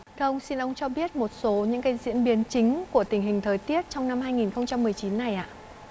theo ông xin ông cho biết một số những diễn biến chính của tình hình thời tiết trong năm hai nghìn không trăm mười chín này ạ